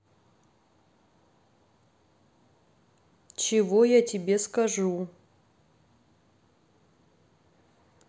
чего я тебе скажу